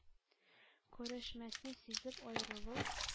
Күрешмәсне сизеп аерылу;